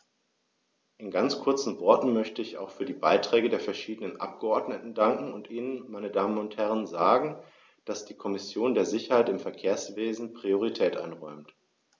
In ganz kurzen Worten möchte ich auch für die Beiträge der verschiedenen Abgeordneten danken und Ihnen, meine Damen und Herren, sagen, dass die Kommission der Sicherheit im Verkehrswesen Priorität einräumt.